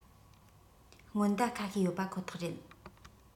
སྔོན བརྡ ཁ ཤས ཡོད པ ཁོ ཐག རེད